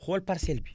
xool parcelle bi